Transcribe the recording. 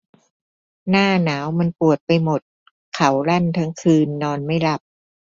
หน้าหนาวมันปวดไปหมดเข่าลั่นทั้งคืนนอนไม่หลับ